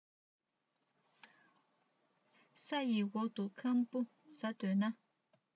ས ཡི འོག ཏུ ཁམ བུ ཟ འདོད ན